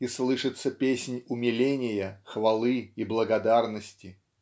и слышится песнь умиления хвалы и благодарности.